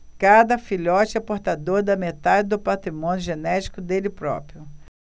cada filhote é portador da metade do patrimônio genético dele próprio